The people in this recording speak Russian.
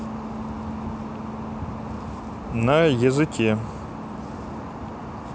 на языке